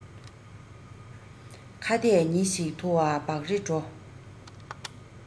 ཁྭ ཏས ཉི ཤིག འཐུ བ བག རེ དྲོ